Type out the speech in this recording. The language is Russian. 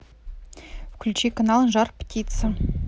включи канал жар птица